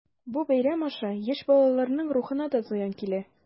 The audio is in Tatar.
Бу бәйрәм аша яшь балаларның рухына да зыян килә.